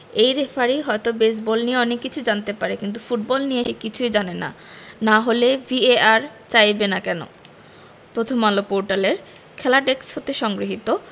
এই রেফারি হয়তো বেসবল নিয়ে অনেক কিছু জানতে পারে কিন্তু ফুটবল নিয়ে সে কিছুই জানে না না হলে ভিএআর চাইবে না কেন প্রথমআলো পোর্টালের খেলা ডেস্ক হতে সংগৃহীত